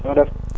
noo def